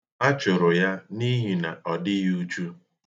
A chụrụ ya n'ihi na ọ dịghị uchu.